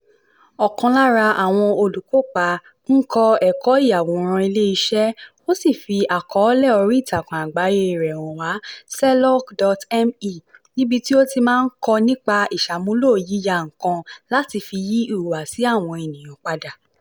Ọ̀kan lára àwọn olùkópa ń kọ́ ẹ̀kọ́ ìyàwòrán ilé iṣẹ́, ó sì fi àkọ́ọ́lẹ̀ orí ìtàkùn àgbáyé rẹ̀ hàn wá, Selouk.me, níbi tí ó ti máa ń kọ nípa ìsàmúlò yíyà nǹkan láti fi yí ìhùwàsí àwọn ènìyàn padà.